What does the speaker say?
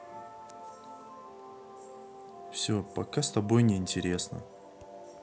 все пока с тобой не интересно